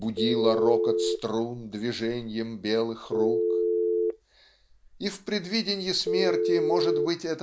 Будила рокот струн движеньем белых рук и в предвиденье смерти может быть